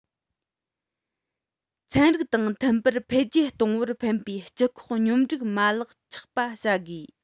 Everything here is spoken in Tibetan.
ཚན རིག དང མཐུན པར འཕེལ རྒྱས གཏོང བར ཕན པའི སྤྱི ཁོག སྙོམས སྒྲིག མ ལག ཆགས པ བྱ དགོས